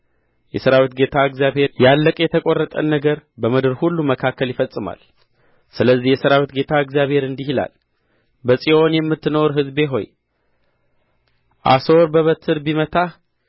የሠራዊት ጌታ እግዚአብሔርም ያለቀ የተቈረጠ ነገርን በምድር ሁሉ መካከል ይፈጽማል ስለዚህ የሠራዊት ጌታ እግዚአብሔር እንዲህ ይላል በጽዮን የምትኖር ሕዝቤ ሆይ አሦር በበትር ቢመታህ